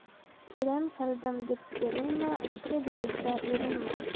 kelin qildim deb kerilma ishga buyursa erinma